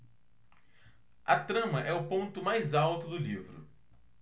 a trama é o ponto mais alto do livro